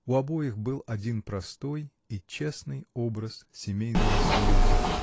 У обоих был один простой и честный образ семейного союза.